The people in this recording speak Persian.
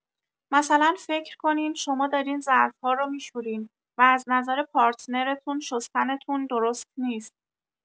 مثلا فکر کنین شما دارین ظرف‌ها رو می‌شورین، و از نظر پارتنرتون شستنتون درست نیست.